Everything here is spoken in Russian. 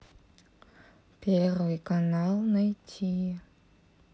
первый канал найти